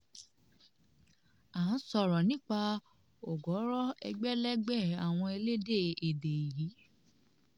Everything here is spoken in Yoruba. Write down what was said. À ń sọ̀rọ̀ nípa ọ̀gọ̀rọ̀ ẹgbẹ̀lẹ́gbẹ̀ àwọn elédè èdè yìí.